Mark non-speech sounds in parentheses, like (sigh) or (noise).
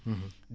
(hesitation) (hesitation)